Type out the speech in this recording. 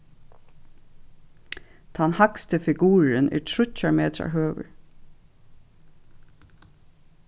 tann hægsti figururin er tríggjar metrar høgur